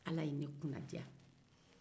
ala ye ne kunnadiya